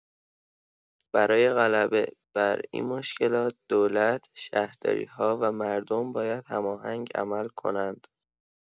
برای غلبه بر این مشکلات، دولت، شهرداری‌ها و مردم باید هماهنگ عمل کنند.